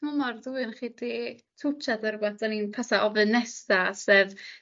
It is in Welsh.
Ma' ma'r ddwy onoch chi 'di twtsiad ar rwbeth 'dan ni'n patha ofyn nesa sef